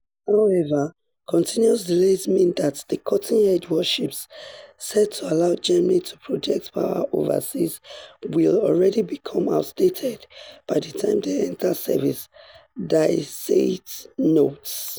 However, continuous delays mean that the cutting-edge warships - said to allow Germany to project power overseas - will already become outdated by the time they enter service, Die Zeit notes.